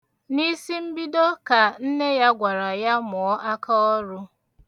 N'isimbido ka nne ya gwara ya mụọ aka ọrụ.